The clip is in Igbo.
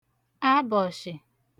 abọ̀shị